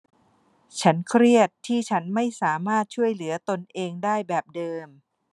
ฉันเครียดที่ฉันไม่สามารถช่วยเหลือตนเองได้แบบเดิม